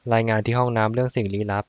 รายงานที่ห้องน้ำเรื่องสิ่งลี้ลับ